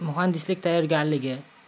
muhandislik tayyorgarligi